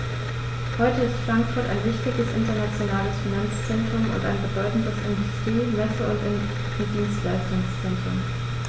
Heute ist Frankfurt ein wichtiges, internationales Finanzzentrum und ein bedeutendes Industrie-, Messe- und Dienstleistungszentrum.